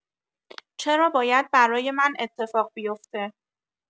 چرا باید برای من اتفاق بی افته؟